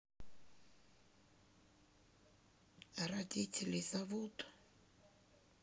а родителей зовут